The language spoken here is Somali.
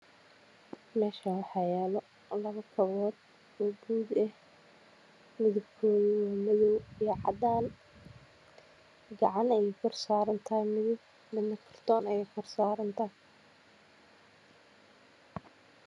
Meeshaan waxaa yaalo dhawr kabood oo buudbuud ah midabkoodu waa madow iyo cadaan. Mid gacan ayay korsaaran tahay midna kartoon.